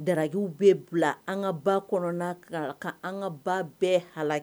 Darakayw bɛ bila an ka ba kɔnɔna kan ka an ka ba bɛɛ ha